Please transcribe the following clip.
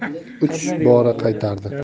tashlab uch bora qaytardi